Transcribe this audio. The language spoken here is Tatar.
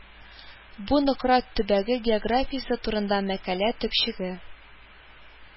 Бу Нократ төбәге географиясе турында мәкалә төпчеге